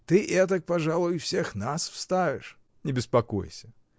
— Ты этак, пожалуй, всех нас вставишь. — Не беспокойся.